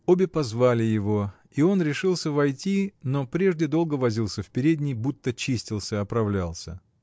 Обе позвали его, и он решился войти, но прежде долго возился в передней, будто чистился, оправлялся.